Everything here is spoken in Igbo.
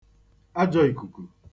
ajọ ìkùkù